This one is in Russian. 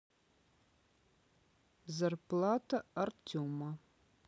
зарплата артема